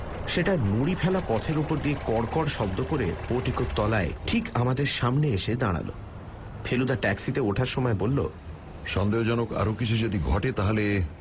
সেটা নুড়ি ফেলা পথের উপর দিয়ে কড় কড় শব্দ করে পোর্টিকের তলায় ঠিক আমাদের সামনে এসে দাঁড়াল ফেলুদা ট্যাক্সিতে ওঠার সময় বলল সন্দেহজনক আরও কিছু যদি ঘটে তাহলে